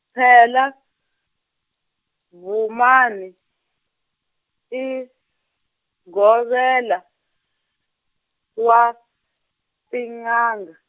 phela, Vhumani, i, govela, wa, tinanga.